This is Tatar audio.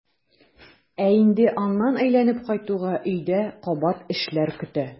Ә инде аннан әйләнеп кайтуга өйдә кабат эшләр көтә.